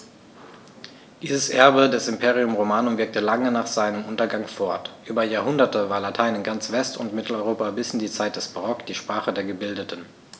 Dieses Erbe des Imperium Romanum wirkte lange nach seinem Untergang fort: Über Jahrhunderte war Latein in ganz West- und Mitteleuropa bis in die Zeit des Barock die Sprache der Gebildeten.